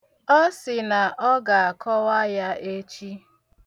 Ọ sị na ọ ga-akọwa ya echi.